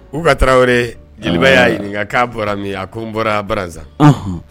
Uka Tarawele,. Aa. Jeliba y'a ɲininka k'a bɔra min ?A ko n bɔra Brazza .